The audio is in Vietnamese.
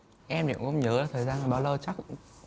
em thì cũng không nhờ thời gian bao lâu chắc